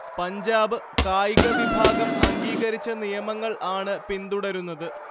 പഞ്ചാബ് കായികവിഭാഗം അംഗീകരിച്ച നിയമങ്ങൾ ആണ് പിന്തുടരുന്നത്